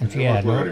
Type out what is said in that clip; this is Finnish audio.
siellähän on